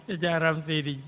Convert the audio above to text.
a jaaraama seydi